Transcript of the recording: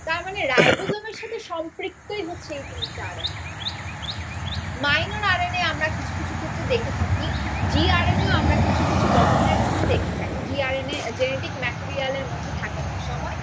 তারমানে রাইবোজোম এর সাথে সম্পৃক্ত হচ্ছে এই তিনটা RNA minor R N A আমরা কিছু কিছু ক্ষেত্রে দেখে থাকি জি আরএনএ আমরা কিছু কিছু গঠন এর মধ্যে দেখে থাকি G R N A genetic মেটেরিয়ালের মধ্যে থাকে অনেক সময়